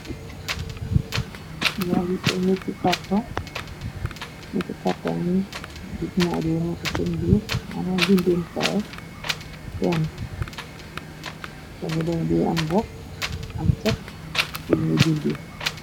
Ya yi ca netti karton mi big modimote sum bi mëna bindinkaay penn. Te ni dañ bi am bokg am cek bumuy bindi.